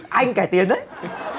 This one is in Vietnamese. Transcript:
anh cải tiến đấy